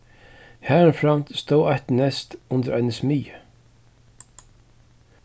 harumframt stóð eitt neyst undir eini smiðju